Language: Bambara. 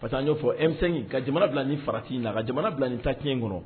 Pa taa y'o fɔsɛn ka jamana bila ni fara' in la ka jamana bila nin tac kɔnɔ